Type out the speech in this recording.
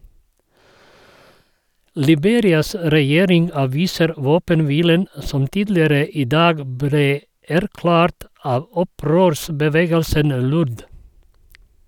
Liberias regjering avviser våpenhvilen som tidligere i dag ble erklært av opprørsbevegelsen LURD.